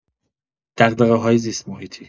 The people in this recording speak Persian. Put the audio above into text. دغدغه‌های زیست‌محیطی